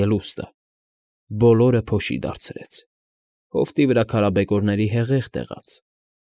Ելուստը. բոլորը փոշի դարձրեց, հովտի վրա քարաբեկորների հեղեղ տեղաց։